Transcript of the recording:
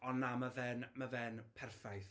Ond na, mae fe'n, mae fe'n perffaith.